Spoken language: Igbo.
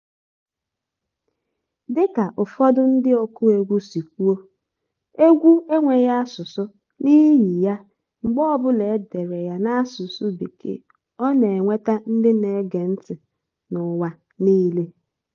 Dịka ụfọdụ ndị ọkụegwú si kwuo, egwú enweghị asụsụ, n’ihi ya, mgbe ọbụla e dere ya n’asụsụ Bekee, ọ na-enweta ndị na-ege ntị n’ụwa niile.